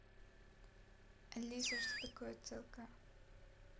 алиса что такое целка